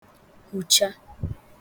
hùchà